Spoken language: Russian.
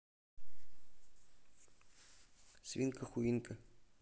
свинка хуинка